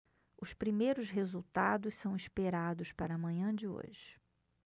os primeiros resultados são esperados para a manhã de hoje